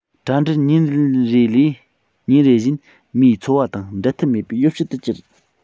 དྲ འབྲེལ ཉིན རེ ལས ཉིན རེ བཞིན མིའི འཚོ བ དང འབྲལ ཐབས མེད པའི ཡོ བྱད དུ གྱུར